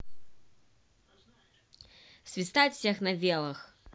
свистать всех на велах